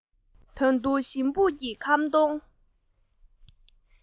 ད དུང ཞིང སྦུག གི ཁམ སྡོང